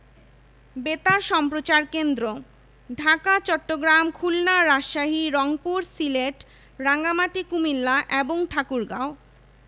জতীয় মাছ ইলিশকে বলা হয় অ্যানাড্রোমাস মাছ এটি লবণাক্ত ও স্বাদু উভয় ধরনের পানিতেই বসবাস করে